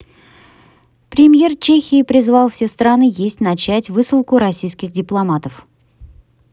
премьер чехии призвал все страны есть начать высылку российских дипломатов